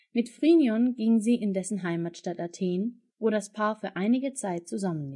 Mit Phrynion ging sie in dessen Heimatstadt Athen, wo das Paar für einige Zeit zusammen